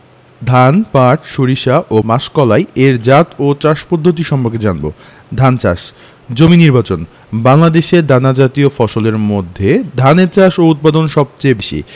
ধান পাট সরিষা ও মাসকলাই এর জাত ও চাষ পদ্ধতি সম্পর্কে জানব ধান চাষ জমি নির্বাচনঃ বাংলাদেশে দানাজাতীয় ফসলের মধ্যে ধানের চাষ ও উৎপাদন সবচেয়ে বেশি